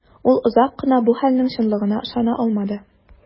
Ул озак кына бу хәлнең чынлыгына ышана алмады.